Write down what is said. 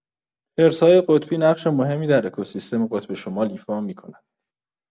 خرس‌های قطبی نقش مهمی در اکوسیستم قطب شمال ایفا می‌کنند.